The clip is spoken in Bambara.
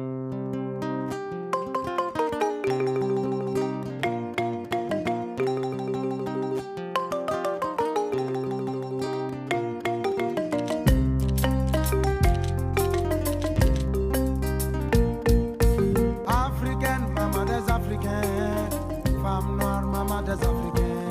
Bafekɛ masafe kɛ faamakuma ma tɛsa kɛ